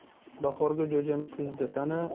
bahorgi jo'jani kuzda sana